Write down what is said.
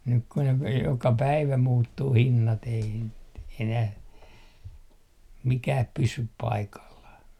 nyt kun ne - joka päivä muuttuu hinnat ei - enää mikään pysy paikallaan